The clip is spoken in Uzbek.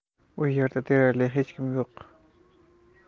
u yerda deyarli hech kim yo'q